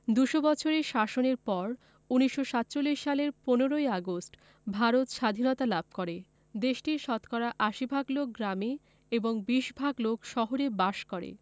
দু'শ বছরের শাসনের পর ১৯৪৭ সালের ১৫ ই আগস্ট ভারত সাধীনতা লাভ করে দেশটির শতকরা ৮০ ভাগ লোক গ্রামে এবং ২০ ভাগ লোক শহরে বাস করে